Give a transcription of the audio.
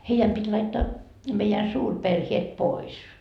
heidän piti laittaa meidän suurperheet pois